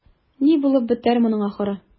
Ни булып бетәр моның ахыры?